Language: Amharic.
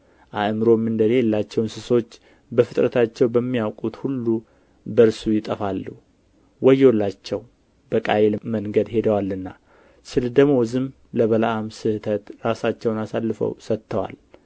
አእምሮም እንደሌላቸው እንስሶች በፍጥረታቸው በሚያውቁት ሁሉ በእርሱ ይጠፋሉ ወዮላቸው በቃየል መንገድ ሄደዋልና ስለ ደመወዝም ለበለዓም ስሕተት ራሳቸውን አሳልፈው ሰጥተዋል